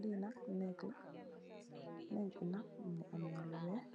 Lii nak neeg la, neeg bi nak mingi amme lu weex,